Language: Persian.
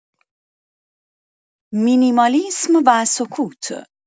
مینیمالیسم و سکوت